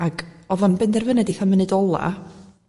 ag odd o'n benderfynud eitha munud ola